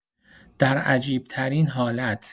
در عجیب‌ترین حالت